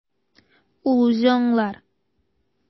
Ул үзе аңлар.